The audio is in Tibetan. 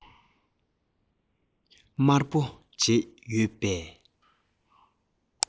དམར པོ འདྲེས ཡོད པས